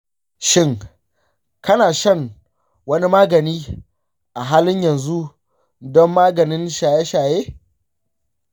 shin kana shan wani magani a halin yanzu don maganin shaye-shaye?